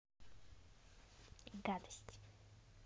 гадость